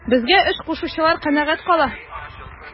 Безгә эш кушучылар канәгать кала.